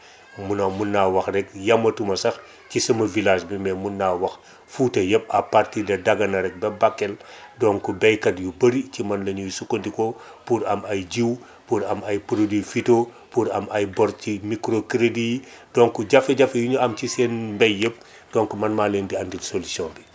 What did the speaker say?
mënoo mën naa wax rek yematuma sax ci sama village bi mais mën naa wax Fouta yëpp à partir de Dagana rek ba Bakel donc baykat yu bëri ci man la ñuy sukkandiku pour am ay jiwu pour am ay produits phyto pour am ay bor ci microcrédits yi donc jafe-jafe yi ñu am ci seen mbay yëpp donc man maa leen di andil solution bi